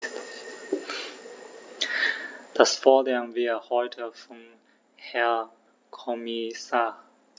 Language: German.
Das fordern wir heute vom Herrn Kommissar.